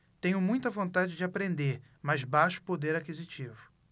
tenho muita vontade de aprender mas baixo poder aquisitivo